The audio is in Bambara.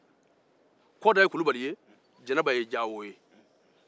kɔda te kulubali ye jɛnɛba ye jawo ye